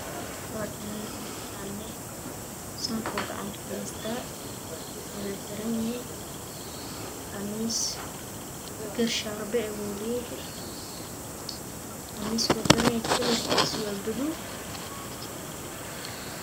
Waakan ninkane sankuu gacanta ku hystaa wuxuu xiran yahay qamiis gar iyo shaaribo qamiskuu xiranyahay kalarkiisu waa buluug